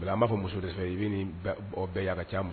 A b'a fɔ muso de fɛ i bɛ bɛɛ yaaka ca ma